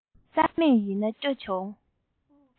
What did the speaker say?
བསམ མེད ཡིན ན སྐྱོ བྱུང